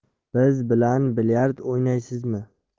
biz bilan bilyard o'ynaysizmi